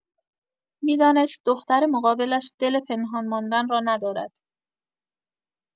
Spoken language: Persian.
می‌دانست دختر مقابلش دل پنهان ماندن را ندارد.